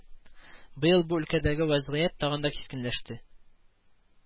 Быел бу өлкәдәге вәзгыять тагын да кискенләште